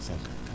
54